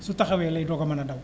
su taxawee lay doog a mën a dal